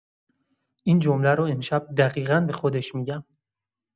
این جمله رو امشب دقیقا به خودش می‌گم.